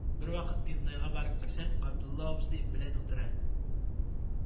Бервакыт пивнойга барып керсәм, Габдулла абзый белән утыра